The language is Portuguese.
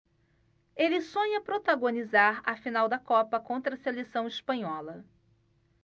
ele sonha protagonizar a final da copa contra a seleção espanhola